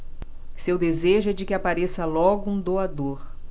seu desejo é de que apareça logo um doador